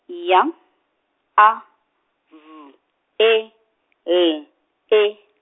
Y A V E L E.